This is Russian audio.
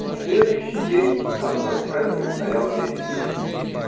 На следующий день нам с Гоффредо предстояло переселение.